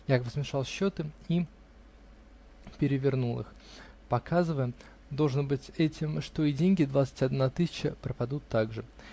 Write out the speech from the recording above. (Яков смешал счеты и перевернул их, показывая, должно быть, этим, что и деньги двадцать одна тысяча пропадут так же.